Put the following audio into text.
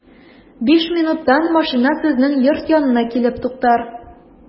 Биш минуттан машина сезнең йорт янына килеп туктар.